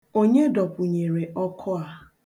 Onye dọkwụnyere ọkụ a?